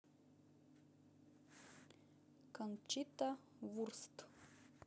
кончита вурст